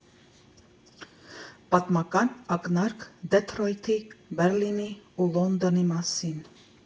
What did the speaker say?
Պատմական ակնարկ Դեթրոյթի, Բեռլինի ու Լոնդոնի մասին։